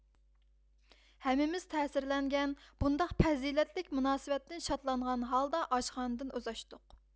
ھەممىمىز تەسىرلەنگەن بۇنداق پەزىلەتلىك مۇناسىۋەتتىن شادلانغان ھالدا ئاشخانىدىن ئۇزاشتۇق